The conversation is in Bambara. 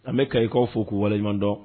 An bɛ Kayikaw fo k'u wale ɲɔgɔndɔn